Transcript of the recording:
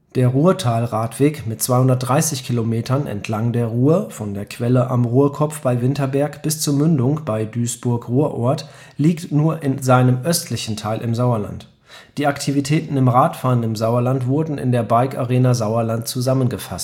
Der RuhrtalRadweg mit 230 km entlang der Ruhr von der Quelle am Ruhrkopf bei Winterberg bis zur Mündung bei Duisburg-Ruhrort liegt nur in seinem östlichen Teil im Sauerland. Die Aktivitäten im Radfahren im Sauerland wurden in der Bike Arena Sauerland zusammengefasst